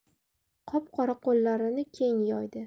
qop qora qo'llarini keng yoydi